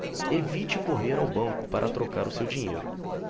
evite correr ao banco para trocar o seu dinheiro